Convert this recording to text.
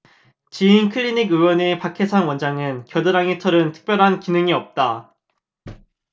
지인클리닉의원의 박해상 원장은 겨드랑이 털은 특별한 기능이 없다